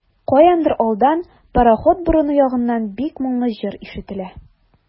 Каяндыр алдан, пароход борыны ягыннан, бик моңлы җыр ишетелә.